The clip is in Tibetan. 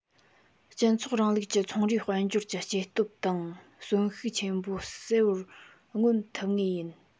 སྤྱི ཚོགས རིང ལུགས ཀྱི ཚོང རའི དཔལ འབྱོར གྱི སྐྱེ སྟོབས དང གསོན ཤུགས ཆེན པོ གསལ པོར མངོན ཐུབ ངེས ཡིན